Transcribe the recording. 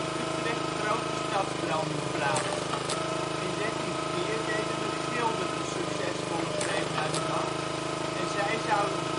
Utrecht grote stadsbranden plaats. In 1304 deden de gilden een succesvolle greep naar de macht, en zij zouden